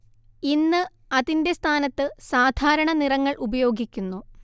ഇന്ന് അതിന്റെ സ്ഥാനത്ത് സാധാരണ നിറങ്ങൾ ഉപയോഗിക്കുന്നു